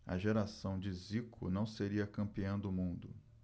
a geração de zico não seria campeã do mundo